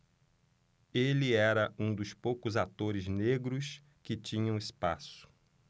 ele era um dos poucos atores negros que tinham espaço